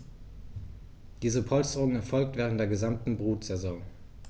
Diese Polsterung erfolgt während der gesamten Brutsaison.